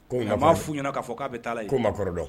Ko a b'a f ɲɛna k' fɔ k'a bɛ taa ko ma kɔrɔ dɔn